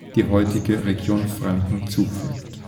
die heutige Region Franken zufällt